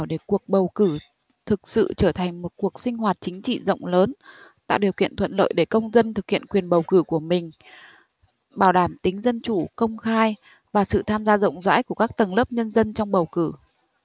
để cuộc bầu cử thực sự trở thành một cuộc sinh hoạt chính trị rộng lớn tạo điều kiện thuận lợi để công dân thực hiện quyền bầu cử của mình bảo đảm tính dân chủ công khai và sự tham gia rộng rãi của các tầng lớp nhân dân trong bầu cử